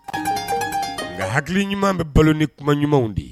,Nka hakili ɲuman bɛ balo ni kuma ɲumanw de ye.